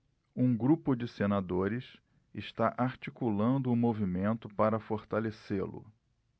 um grupo de senadores está articulando um movimento para fortalecê-lo